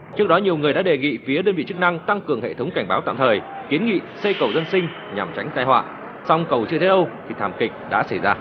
trước đó nhiều người đã đề nghị phía đơn vị chức năng tăng cường hệ thống cảnh báo tạm thời kiến nghị xây cầu dân sinh nhằm tránh tai họa song cầu chưa thấy đâu thì thảm kịch đã xảy ra